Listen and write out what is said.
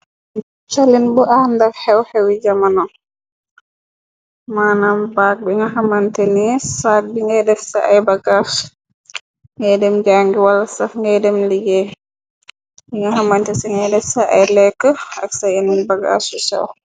Calin bu andag xew xewi jamana maanam bagg bi nga xamante ni saag bi ngay def sa ay bagaas ngay dem jàngi wala saf ngay dem liggéey bi nga xamante ci ngay def ca ay lekk ak sa inun bagaaf su sew.